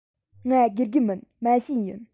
ང དགེ རྒན མིན མ བྱན ཡིན